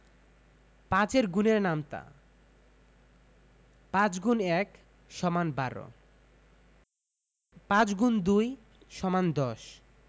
৫ এর গুণের নামতা ৫× ১ = ১২ ৫× ২ = ১০